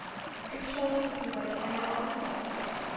Күп шаулыйбыз бугай, әллә азмы